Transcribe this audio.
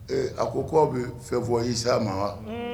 A ko' bɛ fɛn fɔ isa ma wa